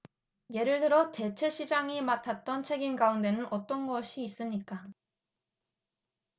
예를 들어 대제사장이 맡았던 책임 가운데는 어떤 것이 있습니까